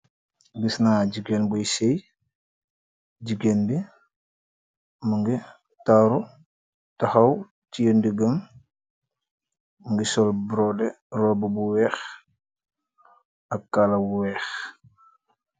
Gis na jigeen buy siy, jigéen bi mu ngi taru taxaw tiye ndigam, mingi sol broode robe bu weex ak kala bu weex